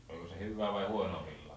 oliko se hyvää vai huonoa villaa